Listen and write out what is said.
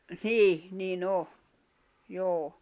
niin niin on joo